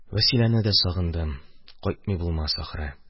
Вәсиләне дә сагындым, кайтмый булмас, ахры.